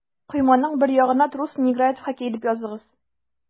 Койманың бер ягына «Трус не играет в хоккей» дип языгыз.